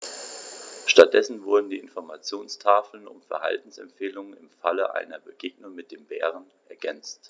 Stattdessen wurden die Informationstafeln um Verhaltensempfehlungen im Falle einer Begegnung mit dem Bären ergänzt.